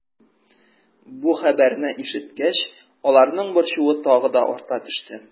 Бу хәбәрне ишеткәч, аларның борчуы тагы да арта төште.